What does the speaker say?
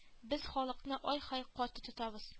Без халыкны ай-һай каты тотабыз